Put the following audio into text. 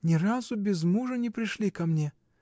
Ни разу без мужа не пришли ко мне.